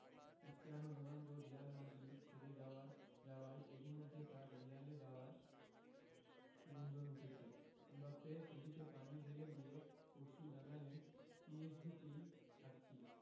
Cristiano Ronaldo Real Madrid ছেড়ে যাওয়ায় এরই মধ্যে তাঁর রিয়ালে যাওয়ার গুঞ্জন উঠেছে এমবাপ্পে সেটিতে পানি ঢেলে দিয়ে পরশু জানালেন পিএসজিতেই থাকছি